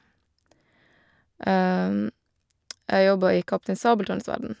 Jeg jobbet i Kaptein Sabeltanns verden.